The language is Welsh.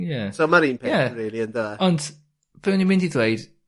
Ie. So ma'r un peth... Ie. ...rili ynde? Ond be' o'n i mynd i dweud